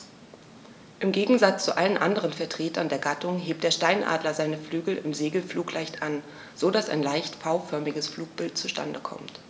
Im Gegensatz zu allen anderen Vertretern der Gattung hebt der Steinadler seine Flügel im Segelflug leicht an, so dass ein leicht V-förmiges Flugbild zustande kommt.